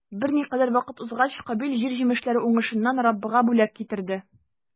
Берникадәр вакыт узгач, Кабил җир җимешләре уңышыннан Раббыга бүләк китерде.